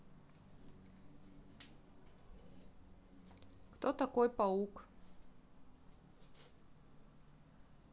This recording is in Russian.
кто такой паук